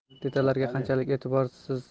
detallarga qanchalik e'tiborlisiz berilgan